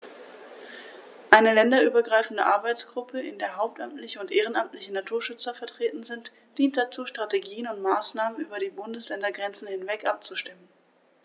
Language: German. Eine länderübergreifende Arbeitsgruppe, in der hauptamtliche und ehrenamtliche Naturschützer vertreten sind, dient dazu, Strategien und Maßnahmen über die Bundesländergrenzen hinweg abzustimmen.